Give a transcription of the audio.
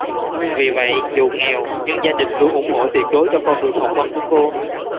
vì vậy dù nghèo nhưng gia đình luôn ủng hộ tuyệt đối cho con đường học vấn của cô